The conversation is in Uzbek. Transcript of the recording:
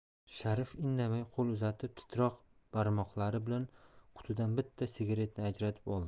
sharif indamay qo'l uzatib titroq barmoqlari bilan qutidan bitta sigaretni ajratib oldi